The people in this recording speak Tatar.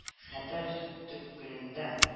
Хәтәр төпкелендә